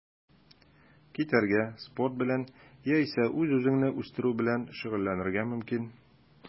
Китәргә, спорт белән яисә үз-үзеңне үстерү белән шөгыльләнергә мөмкин.